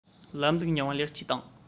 ལམ ལུགས རྙིང བ ལེགས བཅོས དང